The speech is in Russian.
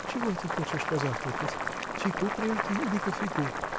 – Чего ты хочешь позавтракать: чайку прежде или кофейку?